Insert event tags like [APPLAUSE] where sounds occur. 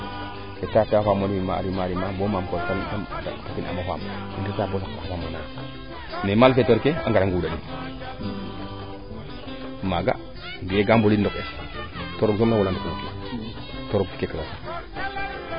im reta reta o faamole rima rima [UNINTELLIGIBLE] mais malfaiteur ke a ngara nguɗin maaga de nga ngundin ndok es [UNINTELLIGIBLE]